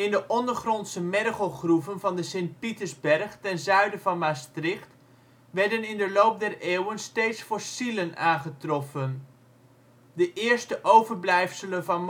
de ondergrondse mergelgroeven van de Sint Pietersberg ten zuiden van Maastricht werden in de loop der eeuwen steeds fossielen aangetroffen. De eerste overblijfselen van